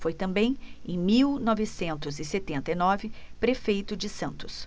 foi também em mil novecentos e setenta e nove prefeito de santos